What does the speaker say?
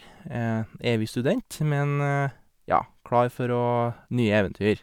Er evig student, men, ja, klar for å nye eventyr.